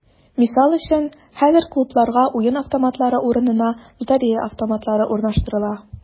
Мисал өчен, хәзер клубларга уен автоматлары урынына “лотерея автоматлары” урнаштырыла.